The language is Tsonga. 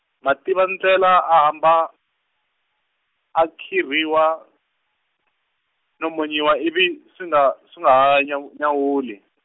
Mativandlela a hamba, a khirhiwa, no monyiwa ivi swi nga, swi nga ha nya- nyawuli.